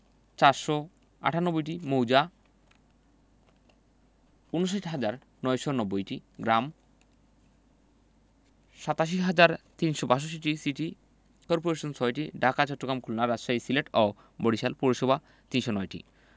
৪৯৮টি মৌজা ৫৯হাজার ৯৯০টি গ্রাম ৮৭হাজার ৩৬২টি সিটি কর্পোরেশন ৬টি ঢাকা চট্টগ্রাম খুলনা রাজশাহী সিলেট ও বরিশাল পৌরসভা ৩০৯টি